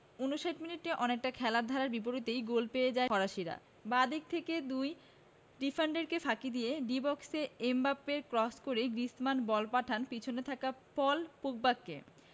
৫৯ মিনিটে অনেকটা খেলার ধারার বিপরীতেই গোল পেয়ে যায় ফরাসিরা বাঁ দিক থেকে দুই ডিফেন্ডারকে ফাঁকি দিয়ে ডি বক্সে এমবাপ্পের ক্রস ধরে গ্রিজমান বল পাঠান পেছনে থাকা পল পগবাকে